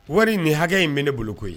Wari nin hakɛ in bi ne bolo koyi .